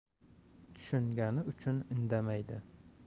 tushungani uchun indamaydi